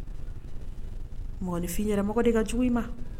Mɔgɔninfin i yɛrɛ mɔgɔ de ka jugu ma